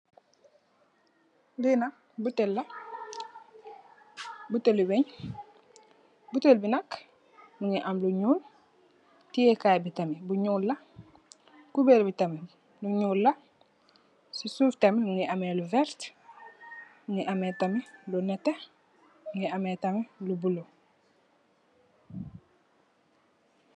Lii nak butehll la, butehli weungh, butehll bii nak mungy am lu njull, tiyeh kaii bii tamit bu njull la, couberre bii tamit lu njull la, cii suff tamit mungy ameh lu vertue, mungy ameh tamit lu nehteh, mungy ameh tamit lu bleu.